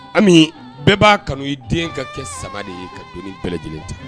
Ami bɛɛ ba kanu i den ka kɛ sama de ye ka donni bɛɛ lajɛlen ta.